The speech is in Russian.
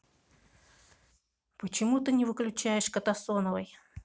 почему ты не включаешь катасоновой